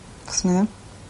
Fyswn i ddim.